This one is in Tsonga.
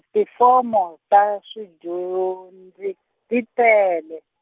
tifomo ta swidyondzi ti tele.